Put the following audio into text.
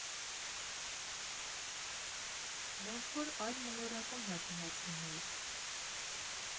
«Ոնց որ այլ մոլորակում հայտնված լինեի».